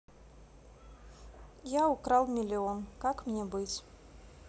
я украл миллион как мне быть